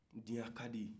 diɲa kadi